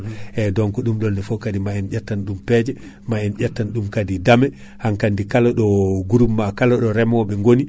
eyyi donc ɗum ɗonne foo kaadi ma en ƴettan ɗum peeje ma en ƴettan ɗum kaadi daame hankkandi kala ɗo groupement kala ɗo reemoɓe goni